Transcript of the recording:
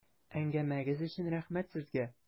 Әңгәмәгез өчен рәхмәт сезгә!